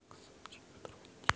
моя прекрасная няня двенадцатая серия